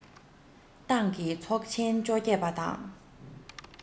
ཏང གི ཚོགས ཆེན བཅོ བརྒྱད པ དང